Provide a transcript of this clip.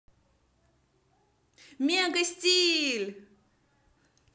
мега стиль